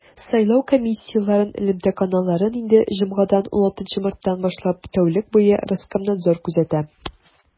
Сайлау комиссияләрен элемтә каналларын инде җомгадан, 16 марттан башлап, тәүлек буе Роскомнадзор күзәтә.